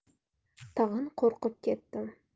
tag'in qo'rqib ketdim